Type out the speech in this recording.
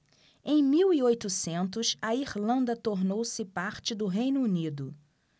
em mil e oitocentos a irlanda tornou-se parte do reino unido